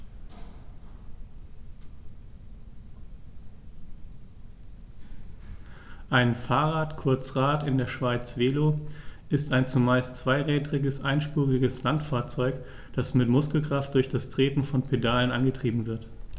Ein Fahrrad, kurz Rad, in der Schweiz Velo, ist ein zumeist zweirädriges einspuriges Landfahrzeug, das mit Muskelkraft durch das Treten von Pedalen angetrieben wird.